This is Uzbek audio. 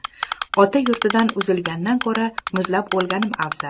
ota yurtdan uzilgandan ko'ra muzlab o'lganim afzal